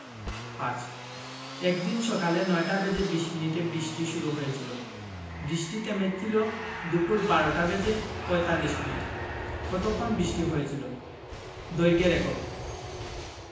৫ একদিন সকালে ৯টা বেজে ২০ মিনিটে বৃষ্টি শুরু হয়েছিল বৃষ্টি থেমেছিল দুপুর ১২টা বেজে ৪৫ মিনিটে কতক্ষণ বৃষ্টি হয়েছিল দৈর্ঘ্যের একক